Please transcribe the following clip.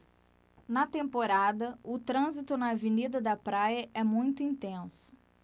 na temporada o trânsito na avenida da praia é muito intenso